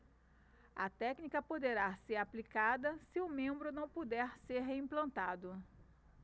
a técnica poderá ser aplicada se o membro não puder ser reimplantado